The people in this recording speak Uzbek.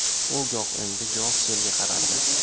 u goh o'ngga goh so'lga qarardi